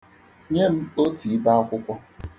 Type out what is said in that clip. Nye m otu ibe akwụkwọ.